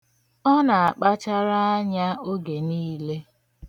Ọ na-akpachara anya oge niile.